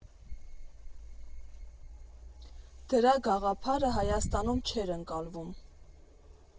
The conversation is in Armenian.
Դրա գաղափարը Հայաստանում չէր ընկալվում.